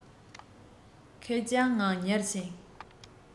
ཁེར རྐྱང ངང ཉལ ཞིང